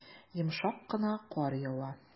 Йомшак кына кар ява.